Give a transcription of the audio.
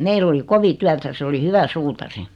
meillä oli kovin työtä se oli hyvä suutari